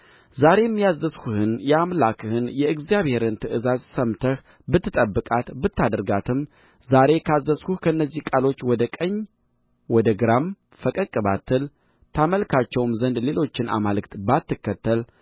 ዛሬም ያዘዝሁህን የአምላክህን የእግዚአብሔርን ትእዛዝ ሰምተህ ብትጠብቃት ብታደርጋትም ዛሬም ካዘዝሁህ ከእነዚህ ቃሎች ወደ ቀኝ ወደ ግራም ፈቀቅ ባትል ታመልካቸውም ዘንድ ሌሎችን አማልክት ባትከተል